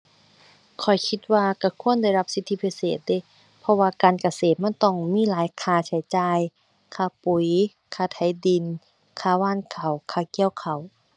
ข้อยคิดว่าก็ควรได้รับสิทธิพิเศษเดะ เพราะว่าการเกษตรมันต้องมีหลายค่าใช้จ่าย ค่าปุ๋ย ค่าไถดิน ค่าหว่านข้าว ค่าเกี่ยวข้าว